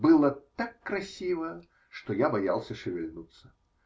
Было так красиво, что я боялся шевельнуться.